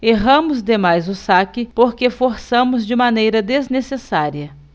erramos demais o saque porque forçamos de maneira desnecessária